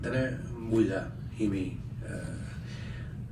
Dyna mwya i mi. Yy.